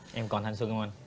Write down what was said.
em còn thanh xuân hông anh